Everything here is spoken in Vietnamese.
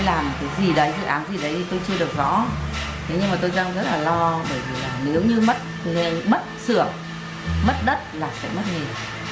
làm thứ gì đấy dự án gì đấy thì tôi chưa được rõ thế nhưng mà tôi đang rất lo bởi vì là nếu như mà mất mất xưởng mất đất là sẽ mất nghề